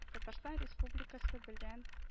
Татарстан Республикасы белән